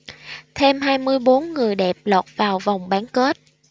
thêm hai mươi bốn người đẹp lọt vào vòng bán kết